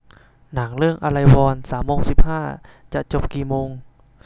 หนังเรื่องอะไรวอลรอบสามโมงสิบห้าจะจบกี่โมง